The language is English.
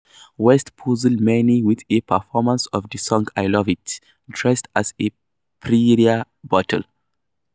West puzzled many with a performance of the song I Love it, dressed as a Perrier Bottle.